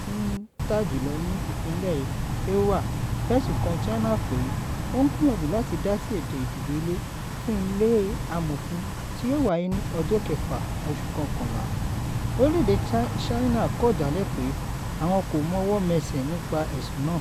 tí ń tà jùlọ ní ìpínlẹ̀ Iowa fẹ̀sùn kan China pé ó ń gbìyànjú láti dásí ètò ìdìbò ilé fún ilé amòfin tí yóò wáyé ní ọjọ́ kẹfà oṣù kọọkànlá. Orílẹ̀èdè China kọ̀ jálẹ̀ pé àwọn kò mọwọ́-mẹsẹ̀ nípa ẹ̀sùn náà.